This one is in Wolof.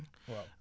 waaw